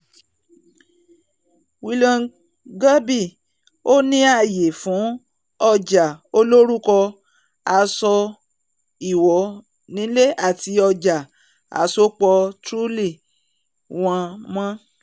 Willoughby òní àyè fún ọjà olórúkọ aso iwọ nílé àti ̀ọja àsopọ̀Truly wọn mọ́.